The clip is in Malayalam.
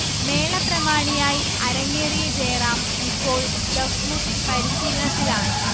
മേള പ്രമാണിയായി അരങ്ങേറിയ ജയറാം ഇപ്പോൾ ദഫ്മുട്ട് പരിശിലനത്തിലാണ്